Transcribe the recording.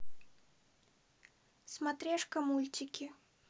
смотрешка мультики